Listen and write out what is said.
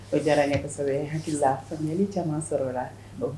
O diyara nye kosɛbɛ n hakili la faamuyali caman sɔrɔla